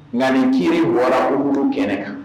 Nka nin ki wara olu wolo kɛnɛ kan